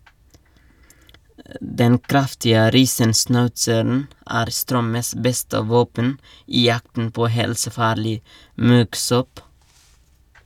Den kraftige riesenschnauzeren er Strømmes beste våpen i jakten på helsefarlig muggsopp.